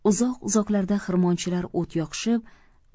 uzoq uzoqlarda xirmonchilar o't yoqishib